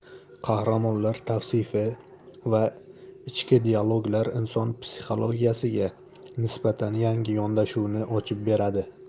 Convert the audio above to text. qahramonlar tavsifi va ichki dialoglar inson psixologiyasiga nisbatan yangi yondashuvni ochib beradi